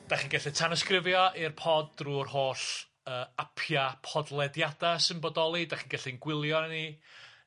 'Dach chi'n gallu tanysgrifio i'r pod drw'r holl yy apia podlediada sy'n bodoli, 'dach chi'n gallu'n gwylio arnon ni